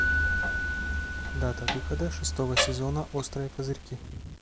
дата выхода шестого сезона острые козырьки